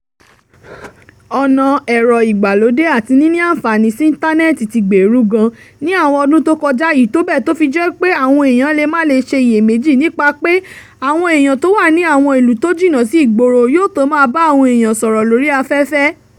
Ọ̀na ẹ̀rọ ìgbàlódé àti nínì àǹfààaní sí íntànẹ́ẹ̀tì ti gbeèrù gan ní àwọn ọdún tó kọja yìí tó bẹ́ẹ̀ tó fi jẹ́ pé àwọn eèyàn lè má lè ṣe iyèméjì nípa pé àwọn eèyàn tó wà ní àwọn ìlú tó jìnnà sí ìgboro yóò tó máà bá àwọn eèyàn sọ̀rọ̀ lórí afẹ́fẹ́.